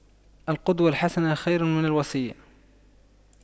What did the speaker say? القدوة الحسنة خير من الوصية